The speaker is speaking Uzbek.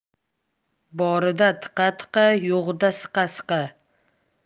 borida tiqa tiqa yo'g'ida siqa siqa